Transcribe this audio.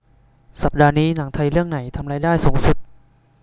สัปดาห์นี้หนังไทยเรื่องไหนทำรายได้สูงสุด